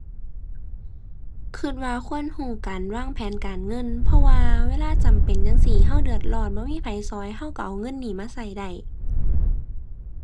คิดว่าควรคิดการวางแผนการเงิน เพราะว่าเวลาจำเป็นจั่งซี้ คิดเดือดร้อนบ่มีไผคิด คิดคิดเอาเงินนี้มาคิดได้